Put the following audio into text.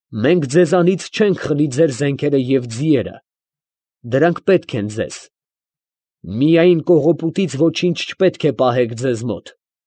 Մենք ձեզանից չենք խլի ձեր զենքերը և ձիերը. դրանք պետք են ձեզ. միայն կողոպուտից ոչինչ չպետք է պահեք ձեզ մոտ։